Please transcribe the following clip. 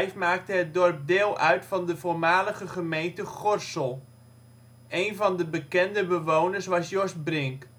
maakte het dorp deel uit van de voormalige gemeente Gorssel. Eén van de bekende bewoners was Jos Brink